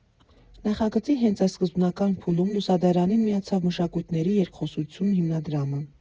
Նախագծի հենց այս սկզբնական փուլում «Լուսադարանին» միացավ Մշակույթների երկխոսություն հիմնադրամը։